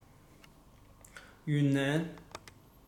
ཡུན ནན